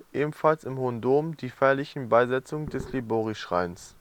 ebenfalls im Hohen Dom die feierliche Beisetzung des Liborischreins